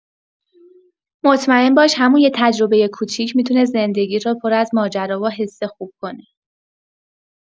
مطمئن باش همون یه تجربه کوچیک می‌تونه زندگی‌ت رو پر از ماجرا و حس خوب کنه.